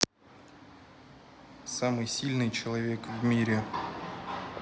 самый сильный человек в мире